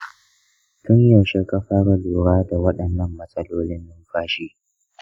tun yaushe ka fara lura da waɗannan matsalolin numfashi?